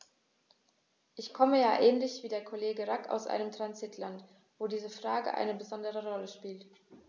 Ich komme ja ähnlich wie der Kollege Rack aus einem Transitland, wo diese Frage eine besondere Rolle spielt.